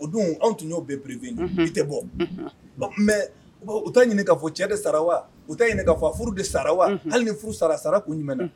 O dun anw tun y'o bɛ pereripy bi tɛ bɔ u taa ɲininka kafɔ cɛ de sara wa u taa ɲininkaka fɔ furu de sara wa hali ni furu sara sara u jumɛn na